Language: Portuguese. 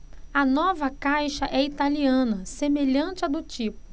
a nova caixa é italiana semelhante à do tipo